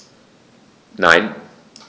Nein.